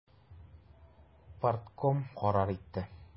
Партком карар итте.